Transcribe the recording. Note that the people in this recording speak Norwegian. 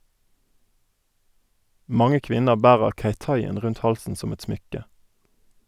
Mange kvinner bærer keitai-en rundt halsen som et smykke.